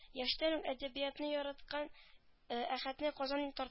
Яшьтән үк әдәбиятны яраткан әхәтне казан тар